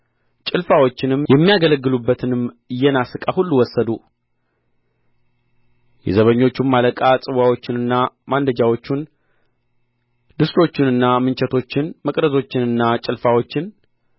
ጭልፋዎችንም የሚያገለግሉበትንም የናስ ዕቃ ሁሉ ወሰዱ የዘበኞቹም አለቃ ጽዋዎቹንና ማንደጃዎቹን ድስቶቹንና ምንቸቶችን መቅረዞችንና ጭልፋዎቹን